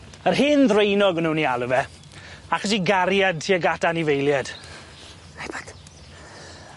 Yr hen ddraenog o'n nw'n 'i alw fe achos 'i gariad tuag at anifeilied. Hei byt!